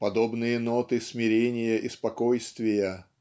Подобные ноты смирения и спокойствия